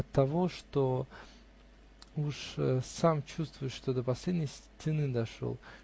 оттого, что уж сам чувствуешь, что до последней стены дошел